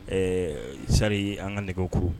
Ɛɛ sari an ka nɛgɛ ko